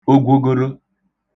ogwogoro